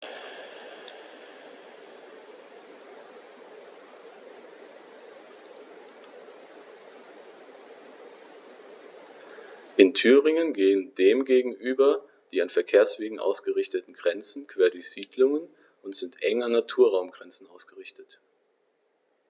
In Thüringen gehen dem gegenüber die an Verkehrswegen ausgerichteten Grenzen quer durch Siedlungen und sind eng an Naturraumgrenzen ausgerichtet.